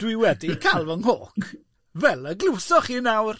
Dwi wedi ca'l fy nghôc, fel y glwsoch chi nawr.